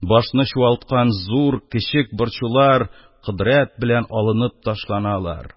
Башны чуалткан зур, кечек борчулар кодрәт белән алынып ташланалар,